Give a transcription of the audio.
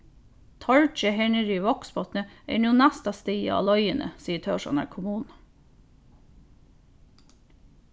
torgið her niðri í vágsbotni er nú næsta stigið á leiðini sigur tórshavnar kommuna